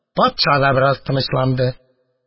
Патша да бераз тынычланды.